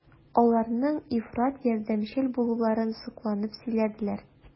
Аларның ифрат ярдәмчел булуларын сокланып сөйләделәр.